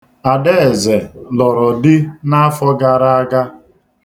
Adaeze lụrụ di n'afọ gara aga.